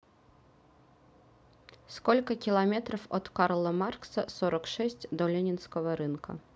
сколько километров от карла маркса сорок шесть до ленинского рынка